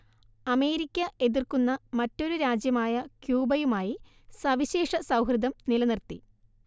America എതിർക്കുന്ന മറ്റൊരു രാജ്യമായ ക്യൂബയുമായി സവിശേഷ സൗഹൃദം നിലനിർത്തി